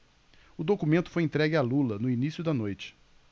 o documento foi entregue a lula no início da noite